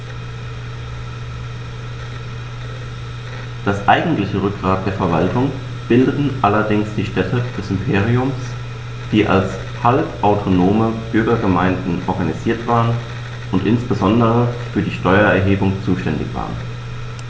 Das eigentliche Rückgrat der Verwaltung bildeten allerdings die Städte des Imperiums, die als halbautonome Bürgergemeinden organisiert waren und insbesondere für die Steuererhebung zuständig waren.